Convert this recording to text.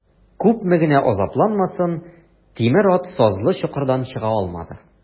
Күпме генә азапланмасын, тимер ат сазлы чокырдан чыга алмады.